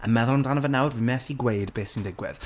A meddwl amdano fe nawr, fi methu gweud beth sy'n digwydd.